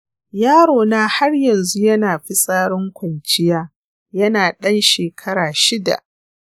yarona har yanzu yana fitsarin kwanciya yana ɗan shekara shida.